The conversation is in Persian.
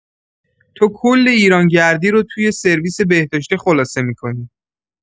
تو کل ایران‌گردی رو توی سرویس بهداشتی خلاصه می‌کنی.